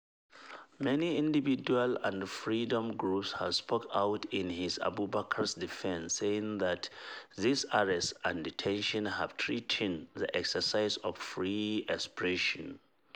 Many individuals and media freedom groups have spoken out in his Abubacar's defense, saying that his arrest and detention have threatened the exercise of free expression.